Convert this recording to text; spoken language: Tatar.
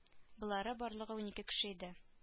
Болары барлыгы унике кеше иде